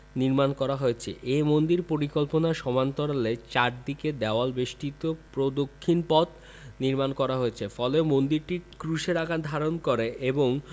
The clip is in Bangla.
নির্মাণ করা হয়েছে এ মন্দির পরিকল্পনার সমান্তরালে চারদিকে দেয়াল বেষ্টিত প্রদক্ষিণ পথ নির্মাণ করা হয়েছে ফলে মন্দিরটি ক্রুশের আকার ধারণ করে এবং